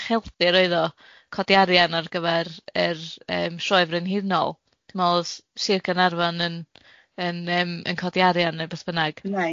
ucheldir oedd o, codi arian ar gyfar yr yym Sioe Frenhinol dwi'n me'l o'dd Sir Gaernarfon yn yn yym yn codi arian neu beth bynnag.